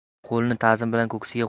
u qo'lini tazim bilan ko'ksiga